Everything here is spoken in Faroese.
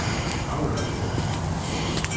havragerði